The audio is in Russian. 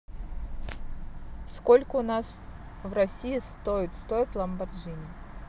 сколько у нас в россии стоит стоит lamborghini